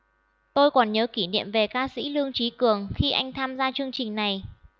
tôi còn nhớ kỷ niệm về ca sĩ lương chí cường khi anh tham gia chương trình này